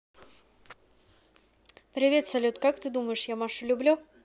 привет салют как ты думаешь я машу люблю